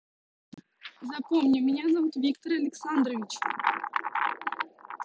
запомни меня зовут виктор александрович